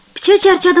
picha charchadim